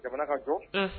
Jamana ka jɔ